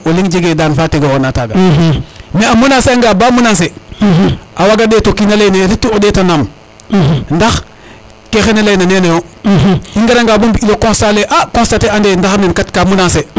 o leŋ jege daan fa tege ona taga mais a menancer anga ba menancer waga ndeta kiin a leyine reti o ndeta nam ndax ke xene leyna nene yo i ngara bo mbi le constat leye a constater ande ndaxar nene kat ka menancer